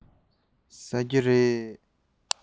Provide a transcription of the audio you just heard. ཟ ཀི ཀྱི རེད